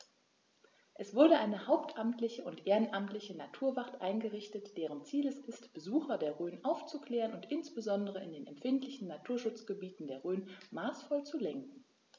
Es wurde eine hauptamtliche und ehrenamtliche Naturwacht eingerichtet, deren Ziel es ist, Besucher der Rhön aufzuklären und insbesondere in den empfindlichen Naturschutzgebieten der Rhön maßvoll zu lenken.